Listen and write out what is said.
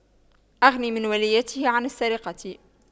أغن من وليته عن السرقة